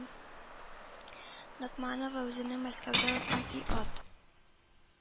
Ногманова үзенең Мәскәүдә узган и ат